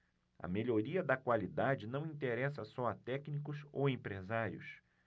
a melhoria da qualidade não interessa só a técnicos ou empresários